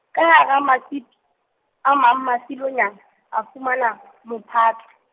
ka hara masupi, a mang Masilonyane, a fumana, mophata.